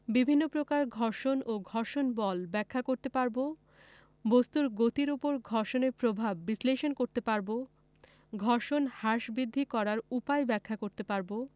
বিভিন্ন প্রকার ঘর্ষণ এবং ঘর্ষণ বল ব্যাখ্যা করতে পারব বস্তুর গতির উপর ঘর্ষণের প্রভাব বিশ্লেষণ করতে পারব ঘর্ষণ হ্রাস বৃদ্ধি করার উপায় ব্যাখ্যা করতে পারব